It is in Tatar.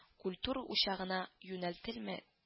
Ультура учагына юнәлтелмәг